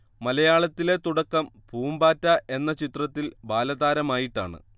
മലയാളത്തിലെ തുടക്കം പൂമ്പാറ്റ എന്ന ചിത്രത്തിൽ ബാലതാരമായിട്ടാണ്